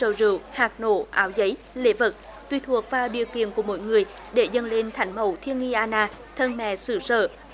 trầu rượu hạt nổ ảo giấy lễ vật tùy thuộc vào điều kiện của mỗi người để dâng lên thánh mẫu thiên y ana thần mẹ xứ sở